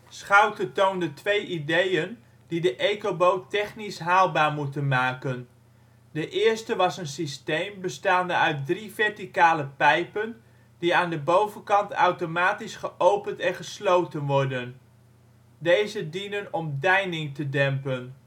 Schoute toonde twee ideeën die de Ecoboot technische haalbaar moeten maken. De eerste was een systeem bestaande uit drie verticale pijpen die aan de bovenkant automatisch geopend en gesloten worden. Deze dienen om deining te dempen